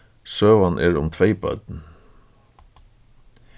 søgan er um tvey børn